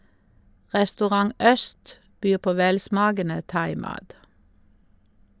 Restaurant Øst byr på velsmakende thaimat.